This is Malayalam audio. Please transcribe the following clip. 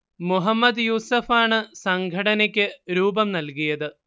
മുഹമ്മദ് യൂസഫാണ് സംഘടനയ്ക്ക് രൂപം നൽകിയത്